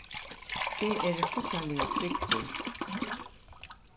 eg eri fíggjarliga tryggur